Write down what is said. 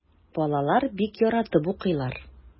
Балалар бик яратып укыйлар.